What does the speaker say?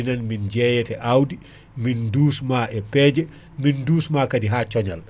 minen min jeeyete awdi min dusma e peeje min dusma kaadi ha conñal